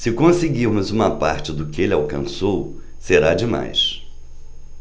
se conseguirmos uma parte do que ele alcançou será demais